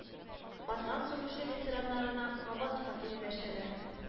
Ватан сугышы ветераннарына кабат фатир өләшәләр